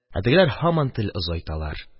Ә тегеләр һаман тел озайталар.